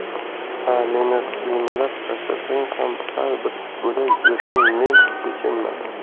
ha meni qiymalab tashlasang ham har bir bo'lak go'shtim men chechenman